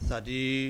Sadi